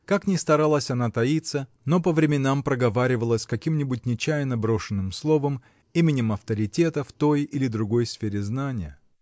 Как ни старалась она таиться, но по временам проговаривалась каким-нибудь нечаянно брошенным словом, именем авторитета в той или другой сфере знания.